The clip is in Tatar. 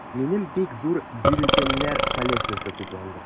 Минем бик зур бюллетеньнәр коллекциясе тупланды.